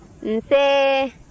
nse